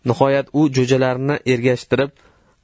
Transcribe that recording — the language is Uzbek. nihoyat u jo'jalarni ergashtirib